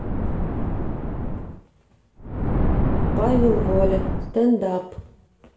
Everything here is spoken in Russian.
павел воля стендап